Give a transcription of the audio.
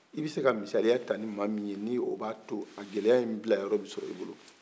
i bi se ka misaliya ta ni maa min ni o b'a to a gɛlɛya in bila yɔrɔ bi sɔrɔ i bolo